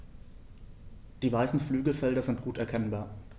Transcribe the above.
Die weißen Flügelfelder sind gut erkennbar.